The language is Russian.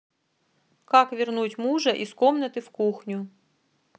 как вернуть мужа из комнаты в кухню